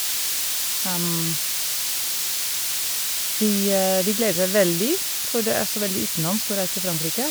de De gleder seg veldig, for det er så veldig utenlandsk å reise til Frankrike.